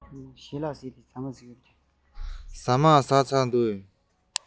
ཁ ལ ཚར སོང ངས